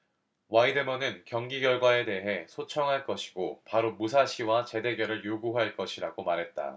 와이드먼은 경기 결과에 대해 소청할 것이고 바로 무사시와 재대결을 요구할 것이라고 말했다